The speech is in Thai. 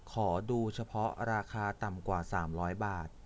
ขอดูเฉพาะราคาต่ำกว่าสามร้อยบาท